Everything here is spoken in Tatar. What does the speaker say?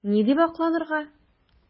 Ни дип акланырга?